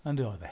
Yn doedd e.